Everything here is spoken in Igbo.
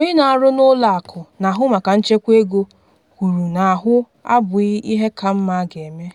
Onye na-arụ n'ụlọakụ na-ahụ maka nchekwa ego kwuru na ahụ abụghị ihe ka mma a ga-eme.